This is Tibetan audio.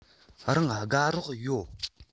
རང དགའ རོགས ཡོད